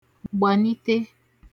gbani(te)